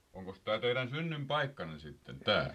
onkos tämä teidän synnynpaikkanne sitten tämä